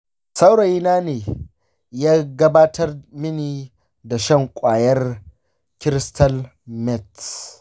saurayina ne ya gabatar mini da shan ƙwayar crystal meth.